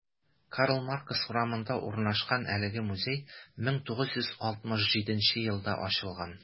Карл Маркс урамында урнашкан әлеге музей 1967 елда ачылган.